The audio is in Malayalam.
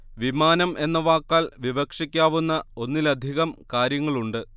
വിമാനം എന്ന വാക്കാൽ വിവക്ഷിക്കാവുന്ന ഒന്നിലധികം കാര്യങ്ങളുണ്ട്